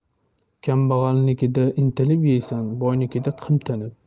kambag'alnikida intilib yeysan boynikida qimtinib